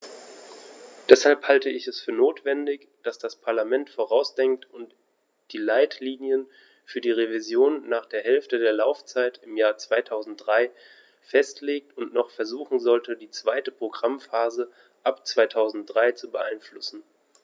Deshalb halte ich es für notwendig, dass das Parlament vorausdenkt und die Leitlinien für die Revision nach der Hälfte der Laufzeit im Jahr 2003 festlegt und noch versuchen sollte, die zweite Programmphase ab 2003 zu beeinflussen.